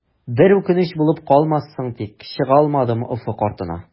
Бер үкенеч булып калмассың тик, чыгалмадым офык артына.